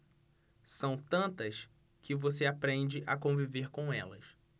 são tantas que você aprende a conviver com elas